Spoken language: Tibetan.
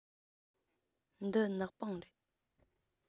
འདི ནག པང རེད